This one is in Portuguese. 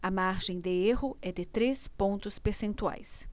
a margem de erro é de três pontos percentuais